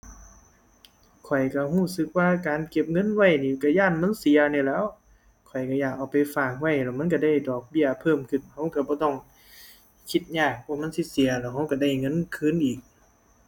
ข้อยก็ก็สึกว่าการเก็บเงินไว้นี่ก็ย้านมันเสียนี่แหล้ว ข้อยก็อยากเอาไปฝากไว้แล้วมันก็ได้ดอกเบี้ยเพิ่มขึ้น ก็ก็บ่ต้องคิดยากว่ามันสิเสียแล้วก็ก็ได้เงินคืนอีก